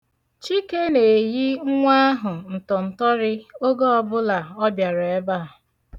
Chike na-eyi nwa ahụ ntọntọrị oge ọbụla ọ bịara ebe a.